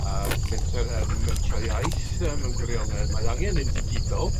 ...a menter yym Mewntra Iaith yy mewn gwirionedd mae angen e'n digidol.